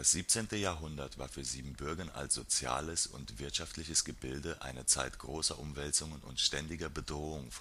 17. Jahrhundert war für Siebenbürgen als soziales und wirtschaftliches Gebilde eine Zeit großer Umwälzungen und ständiger Bedrohung